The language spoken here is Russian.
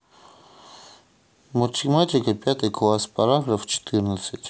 математика пятый класс параграф четырнадцать